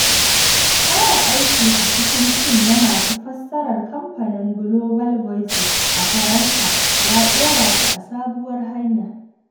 Fara aiki a cikin tim na masu fassarar Kamfanin Global Voices a Faransa ya ɗora shi a sabuwar hanya.